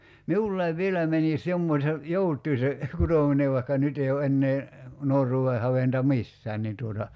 minullakin vieläkin menisi jommoisen joutuin se kutominen vaikka nyt ei ole enää nuoruuden haventa missään niin tuota